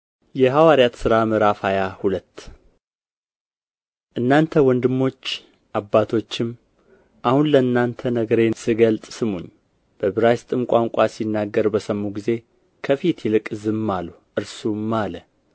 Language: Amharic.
የሐዋርያት ሥራ ምዕራፍ ሃያ ሁለት እናንተ ወንድሞች አባቶችም አሁን ለእናንተ ነገሬን ስገልጥ ስሙኝ በዕብራይስጥም ቋንቋ ሲናገር በሰሙ ጊዜ ከፊት ይልቅ ዝም አሉ እርሱም አለ